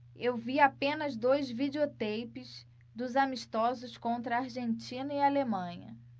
eu vi apenas dois videoteipes dos amistosos contra argentina e alemanha